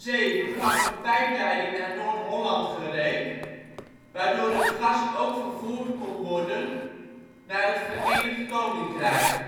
2007 kwam een pijpleiding naar Noord-Holland gereed, waardoor het gas ook vervoerd kan worden naar het Verenigd Koninkrijk